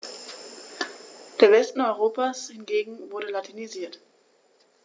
Der Westen Europas hingegen wurde latinisiert.